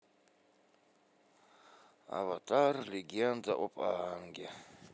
аватар легенда об аанге